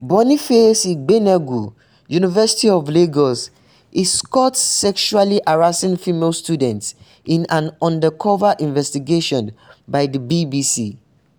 Boniface Igbeneghu, University of Lagos, is caught sexually harassing female students in an undercover investigation by the BBC.